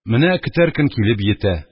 Менә көтәр көн килеп йитә,